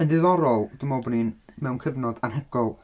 Yn ddiddorol dwi'n meddwl bod ni'n, mewn cyfnod anhygoel.